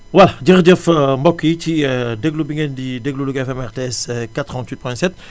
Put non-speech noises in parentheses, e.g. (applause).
voilà jërëjëf (hesitation) mbokk yi ci (hesitation) déglu bi ngeen di déglu Louga FM RTS (hesitation) 88.7